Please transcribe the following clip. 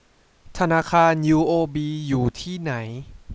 ธนาคารยูโอบีอยู่ที่ไหน